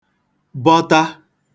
bọta